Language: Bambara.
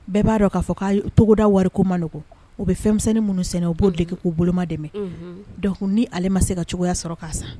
Bɛɛ b'a dɔn k'a fɔ k'a togoda wariko man nɔgɔn u bɛ fɛnmisɛnnin minnu sɛnɛ u b'o de kɛ k'u boloma dɛmɛ donc ni ale ma se ka cogoya sɔrɔ k'a san